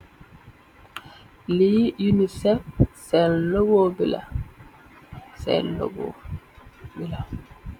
Lii unicef sen log bi la sen logo bi la.